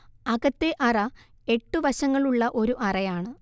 അകത്തെ അറ എട്ട് വശങ്ങളുള്ള ഒരു അറയാണ്